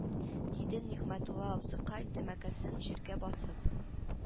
Диде нигъмәтулла абзыкай тәмәкесен җиргә басып